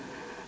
%¨hum